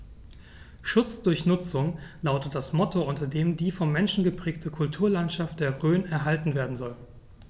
„Schutz durch Nutzung“ lautet das Motto, unter dem die vom Menschen geprägte Kulturlandschaft der Rhön erhalten werden soll.